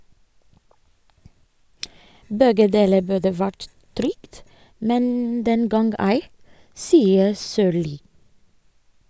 Begge deler burde vært trygt, men den gang ei, sier Sørli.